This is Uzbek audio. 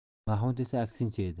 mahmud esa aksincha edi